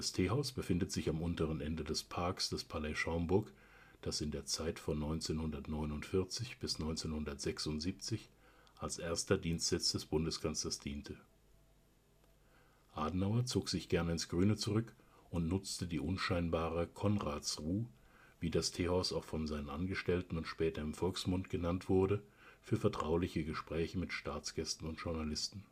Teehaus befindet sich am unteren Ende des Parks des Palais Schaumburg, das in der Zeit von 1949 bis 1976 als erster Dienstsitz des Bundeskanzlers diente. Adenauer zog sich gerne ins Grüne zurück und nutzte die unscheinbare " Konradsruh ", wie das Teehaus auch von seinen Angestellten und später im Volksmund genannt wurde, für vertrauliche Gespräche mit Staatsgästen und Journalisten